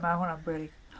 Ma' hwnna'n beryg.